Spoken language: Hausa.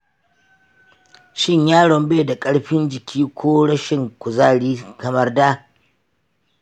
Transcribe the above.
shin yaron bai da ƙarfi jiki ko rashin kuzari kamar da?